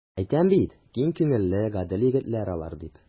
Әйтәм бит, киң күңелле, гадел егетләр алар, дип.